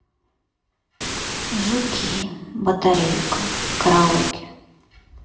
жуки батарейка караоке